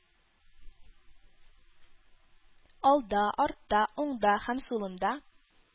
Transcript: Алда, артта, уңда һәм сулымда